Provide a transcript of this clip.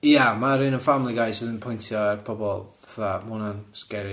Ia ma'r un yn Family Guy sydd yn pointio ar pobol fatha ma' hwnna'n scary.